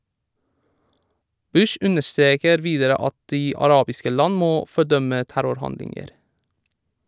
Bush understreker videre at de arabiske land må fordømme terrorhandlinger.